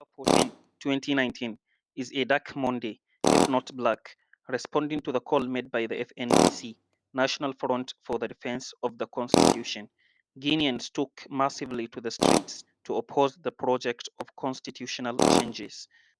October 14, 2019, is a dark Monday, if not black, responding to the call made by the FNDC [National Front for the Defense of the Constitution], Guineans took massively to the streets to oppose the project of constitutional changes.